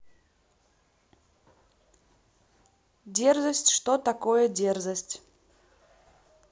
дерзость что такое дерзость